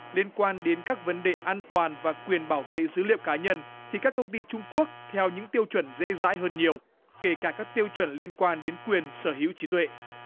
liên quan đến các vấn đề an toàn và quyền bảo vệ dữ liệu cá nhân thì các công ty trung quốc theo những tiêu chuẩn dễ dãi hơn nhiều kể cả các tiêu chuẩn liên quan đến quyền sở hữu trí tuệ